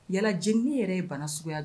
Yalajini yɛrɛ ye bana suguya la